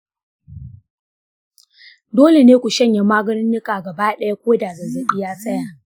dole ne ku shanye magungunan gaba ɗaya ko da zazzabi ya tsaya.